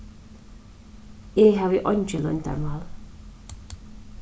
eg havi eingi loyndarmál